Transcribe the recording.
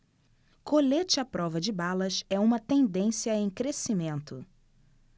colete à prova de balas é uma tendência em crescimento